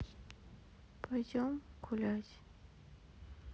пойдем гулять